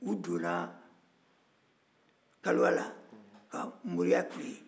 u donna kaliwa la ka mɔriya k'u ye